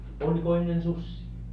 oliko ennen susia